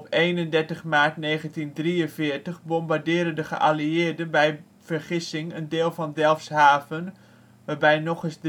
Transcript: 31 maart 1943 bombarderen de geallieerden bij vergissing een deel van Delfshaven, waarbij nog eens